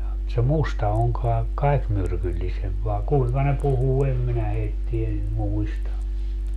mutta se musta on kai kaikkein myrkyllisempi vai kuinka ne puhuu en minä heitä niin muista